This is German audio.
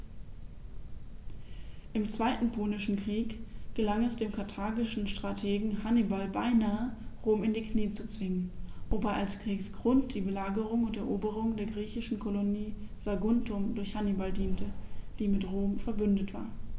Im Zweiten Punischen Krieg gelang es dem karthagischen Strategen Hannibal beinahe, Rom in die Knie zu zwingen, wobei als Kriegsgrund die Belagerung und Eroberung der griechischen Kolonie Saguntum durch Hannibal diente, die mit Rom „verbündet“ war.